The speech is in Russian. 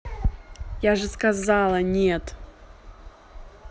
я же сказала нет